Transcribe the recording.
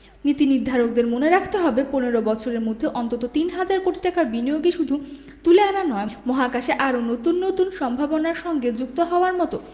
নীতিনির্ধারকদের মনে রাখতে হবে ১৫ বছরের মধ্যে অন্তত তিন হাজার কোটি টাকার বিনিয়োগই শুধু তুলে আনা নয় মহাকাশে আরও নতুন নতুন সম্ভাবনার সঙ্গে যুক্ত হওয়ার মতো